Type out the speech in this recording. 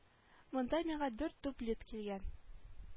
Монда миңа дүрт дублит килгән